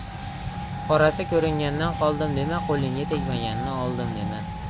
qorasi ko'ringandan qoldim dema qo'lingga tegmaganni oldim dema